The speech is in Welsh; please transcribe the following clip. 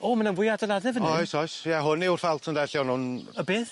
O ma' 'na fwy o adeilade 'dan ni fyn 'yn? Oes oes ie hwn yw'r ffalt ynde lle o'n nw'n... Y beth?